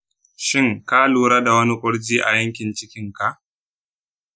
shin ka lura da wani kurji a yankin cikinka?